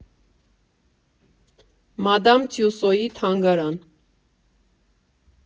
Մադամ Տյուսոյի թանգարան։